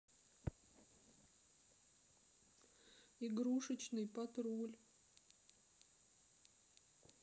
игрушечный патруль